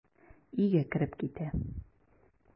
Өйгә кереп китә.